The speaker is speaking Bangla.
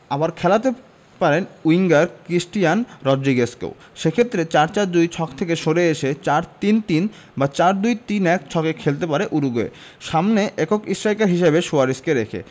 আবার খেলাতে পারেন উইঙ্গার ক্রিস্টিয়ান রড্রিগেজকেও সে ক্ষেত্রে ৪ ৪ ২ ছক থেকে সরে এসে ৪ ৩ ৩ বা ৪ ২ ৩ ১ ছকে খেলতে পারে উরুগুয়ে সামনে একক স্ট্রাইকার হিসেবে সুয়ারেজকে রেখে